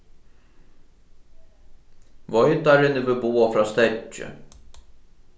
veitarin hevur boðað frá steðgi